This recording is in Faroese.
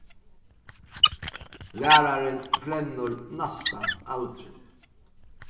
lærarin flennir næstan aldrin